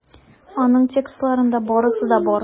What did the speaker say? Аның текстларында барысы да бар.